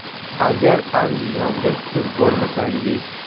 agar andijonga siz bormasangiz